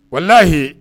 Wallahi